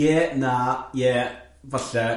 Ie, na, ie, falle.